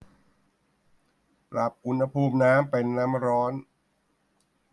ปรับอุณหภูมิน้ำเป็นน้ำร้อน